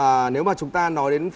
à nếu mà chúng ta nói đến